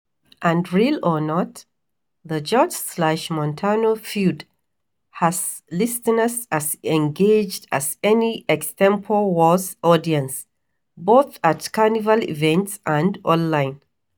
And real or not, the George/Montano feud has listeners as engaged as any extempo wars audience, both at Carnival events and online.